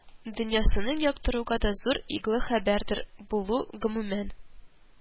Дөньясын яктыртуга да зур игълы хәбәрдар булу, гомумән,